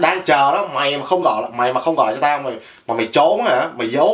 đang chờ đó mày mà không gọi mày mà không gọi cho tao mà mày trốn hả mày giấu